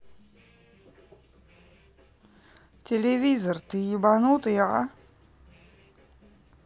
телевизор ты ебанутый а